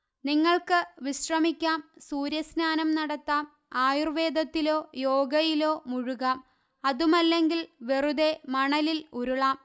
നിങ്ങള്ക്ക് വിശ്രമിക്കാം സൂര്യ സ്നാനം നടത്താം ആയൂര്വേദത്തിലോ യോഗയിലോ മുഴുകാം അതുമല്ലെങ്കില് വെറുതെ മണലില് ഉരുളാം